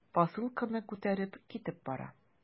Посылканы күтәреп китеп бара.